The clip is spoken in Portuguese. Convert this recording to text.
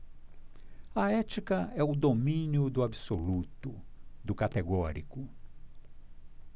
a ética é o domínio do absoluto do categórico